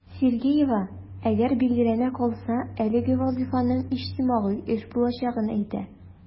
Сергеева, әгәр билгеләнә калса, әлеге вазыйфаның иҗтимагый эш булачагын әйтә.